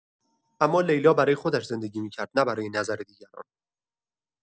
اما لیلا برای خودش زندگی می‌کرد، نه برای نظر دیگران.